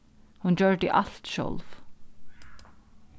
hon gjørdi alt sjálv